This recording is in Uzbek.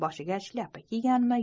boshiga shlyapa kiyganmi